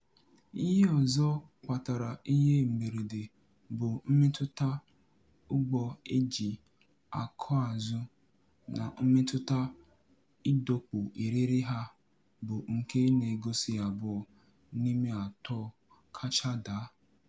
ihe ọzọ kpatara ihe mberede bụ mmetuta ụgbọ eji akọazụ na mmetụta idọkpu eriri ha bụ nke na-egosi abụọ n'ime atọ kacha daa.